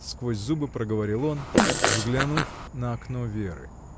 — сквозь зубы проговорил он, взглянув на окно Веры.